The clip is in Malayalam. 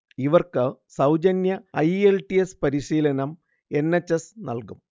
ഇവർക്ക് സൗജന്യ I. E. L. T. S പരിശീലനം എൻ. എച്ച്. എസ് നൽകും